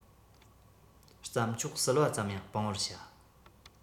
རྩྭ མཆོག ཟིལ པ ཙམ ཡང སྤང བར བྱ